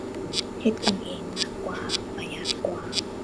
เฮ็ดกินเองมากกว่า ประหยัดกว่า